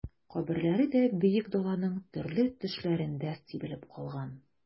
Каберләре дә Бөек Даланың төрле төшләрендә сибелеп калган...